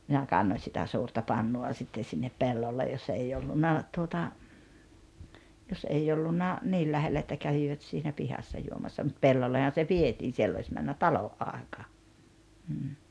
minä kannoin sitä suurta pannua sitten sinne pellolle jos ei ollut tuota jos ei ollut niin lähellä että kävivät siinä pihassa juomassa mutta pellollehan se vietiin siellä olisi mennyt talon aika mm